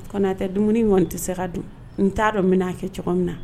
Konatɛ dumuni in kɔn tɛ se ka dun. N t'a dɔn n bɛna a kɛ cogo min na?